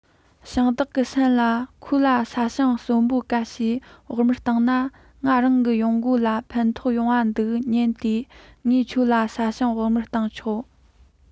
ཞིང བདག གི སེམས ལ ཁོ ལ ས ཞིང སོན འབོ ག ཤས བོགས མར བཏང ན ང རང གི ཡོང སྒོ ལ ཕན ཐོགས ཡོང བ འདུག སྙམ སྟེ ངས ཁྱེད ལ ས ཞིང བོགས མར བཏང ཆོག